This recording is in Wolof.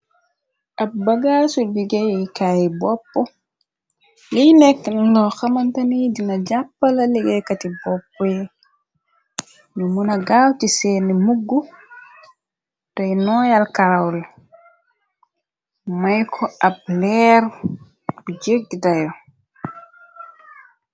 Ab bagaasu liggéeykaay bopp liy nekk n loo xamantani dina jàppala liggéeykati bopp ñu mëna gaaw ci seeni mugg tey noyaal karaori may ko ab leer bi jëggi dayo.